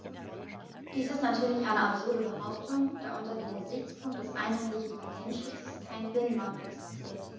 Dies ist natürlich eine absurde Behauptung, da unter dem Gesichtspunkt des einheitlichen Patentschutzes kein Binnenmarkt existiert.